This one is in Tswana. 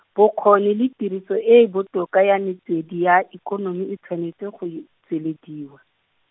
bokgoni le tiriso e e botoka ya metswedi ya ikonomi e tshwanetse go e, tswelediwa.